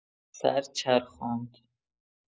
سر چرخاند.